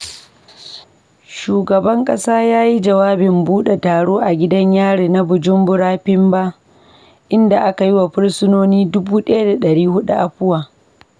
Shugaban ƙasa ya yi jawabin buɗe taro a Gidan Yari na Bujumbura Mpimba, inda aka yi wa fursinoni 1,400 afuwa.